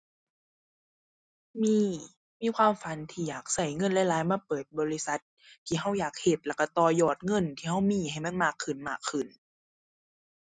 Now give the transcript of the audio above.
มี มีความฝันที่อยากใช้เงินหลายหลายมาเปิดบริษัทที่ใช้อยากเฮ็ด แล้วใช้ต่อยอดเงินที่ใช้มีให้มันมากขึ้นมากขึ้น